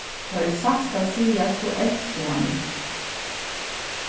tá ið satt skal sigast so elski eg hann ikki